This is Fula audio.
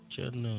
ceerno